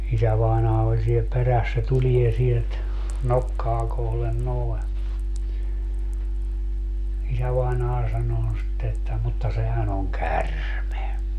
isävainaja oli siellä perässä se tulee sieltä nokkaa kohden noin isävainaja sanoo sitten että mutta sehän on käärme